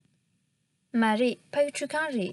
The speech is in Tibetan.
མ རེད ཕ གི ཁྲུད ཁང རེད